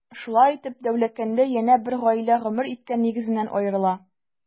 Шулай итеп, Дәүләкәндә янә бер гаилә гомер иткән нигезеннән аерыла.